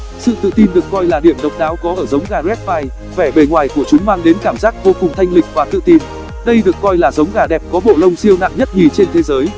sự tự tin được coi là điểm độc đáo có ở giống gà bantam vẻ bề ngoài của chúng mang đến cảm giác vô cùng thanh lịch và tự tin đây được coi là giống gà đẹp có bộ siêu nặng nhất nhì trên thế giới